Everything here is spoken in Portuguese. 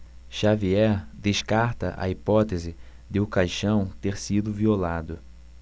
xavier descarta a hipótese de o caixão ter sido violado